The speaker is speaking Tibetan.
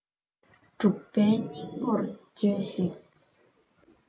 སྒྲུབ པའི སྙིང བོར བྱོས ཤིག